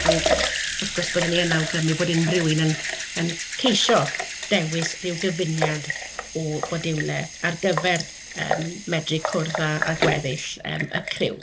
ond wrth gwrs bydden ni yn awgrymu bod unrywun yn yn ceisio dewis ryw gyfuniad o fodiwlau ar gyfer yym medru cwrdd â â gweddill yym y criw.